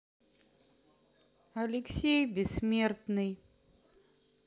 алексей бессмертный